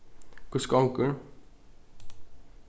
hvussu gongur